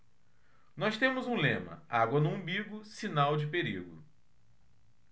nós temos um lema água no umbigo sinal de perigo